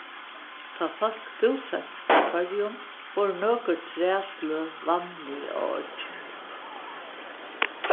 tá fólk búsettust í føroyum vóru nøkur træsløg vanlig á oyggjunum